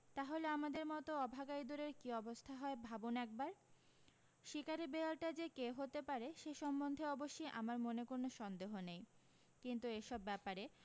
তা হলে আমাদের মতো অভাগা ইঁদুরের কী অবস্থা হয় ভাবুন একবার শিকারী বেড়ালটা যে কে হতে পারে সে সম্বন্ধে অবশ্যি আমার মনে কোনো সন্দেহ নেই কিন্তু এসব ব্যাপারে